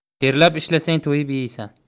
terlab ishlasang to'yib yeysan